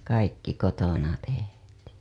kaikki kotona tehtiin